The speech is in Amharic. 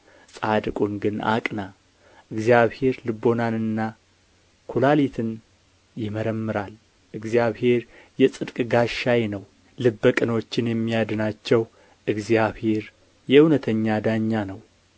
ጻድቁን ግን አቅና እግዚአብሔር ልቡናንና ኵላሊትን ይመረምራል እግዚአብሔር የጽድቅ ጋሻዬ ነው ልበ ቅኖችን የሚያድናቸው እግዚአብሔር የእውነት ዳኛ ነው